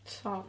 Tom.